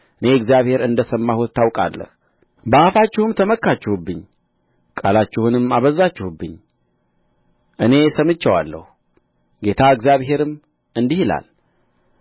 እኔ እግዚአብሔር እንደ ሰማሁት ታውቃለህ በአፋችሁም ተመካችሁብኝ ቃላችሁንም አበዛችሁብኝ እኔም ሰምቼዋለሁ ጌታ እግዚአብሔርም እንዲህ ይላል